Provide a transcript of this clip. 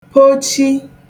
pochi